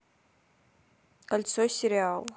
кольцо сериал